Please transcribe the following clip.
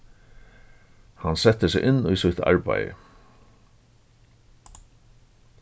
hann setti seg inn í sítt arbeiði